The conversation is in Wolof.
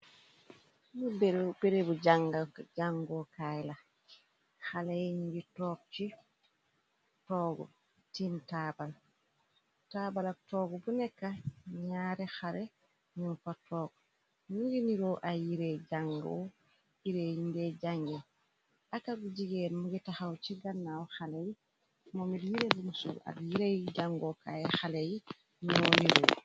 Fii bereebu jangookaay la, xale yiñ ngi toog ci toogu tiin taabal, taabal ak toog bu nekka ñaari xale ñu fa toog, nu ngi niruo ay yireey jango, yirée yindee jànge ak aku jigéen mu gi taxaw ci gannaaw xale yi, moomit yireebu mu sol ak yireey jangookaay xale yi ñoo niroo.